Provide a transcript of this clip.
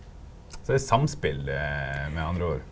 så det er samspel med andre ord?